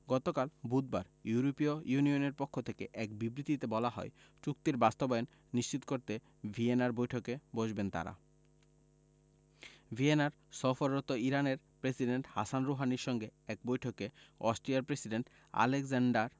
গতকাল বুধবার ইউরোপীয় ইউনিয়নের পক্ষ থেকে এক বিবৃতিতে বলা হয় চুক্তির বাস্তবায়ন নিশ্চিত করতে ভিয়েনায় বৈঠকে বসবেন তাঁরা ভিয়েনায় সফররত ইরানের প্রেসিডেন্ট হাসান রুহানির সঙ্গে এক বৈঠকে অস্ট্রিয়ার প্রেসিডেন্ট আলেক্সান্ডার